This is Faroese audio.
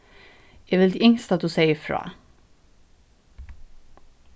eg vildi ynskt at tú segði frá